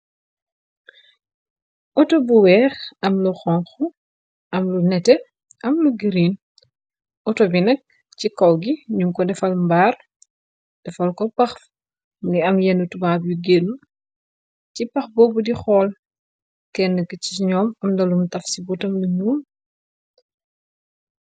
Ooto bu weex, am lu xonxu, am lu nete, am lu giriin, ooto bi nekk ci kow gi ñun ko defal mbaar, defal ko pax, mingi am yenn tubaab yu gëne ci pax boobu di xool, kenn ki ci ñoom, amna lum taf si botam, lu ñuul.